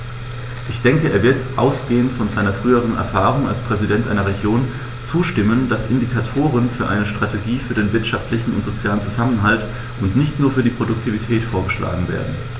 Ich denke, er wird, ausgehend von seiner früheren Erfahrung als Präsident einer Region, zustimmen, dass Indikatoren und eine Strategie für den wirtschaftlichen und sozialen Zusammenhalt und nicht nur für die Produktivität vorgeschlagen werden.